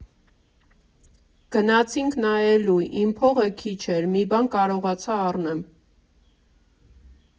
Գնացինք նայելու, իմ փողը քիչ էր, մի բան կարողացա առնեմ։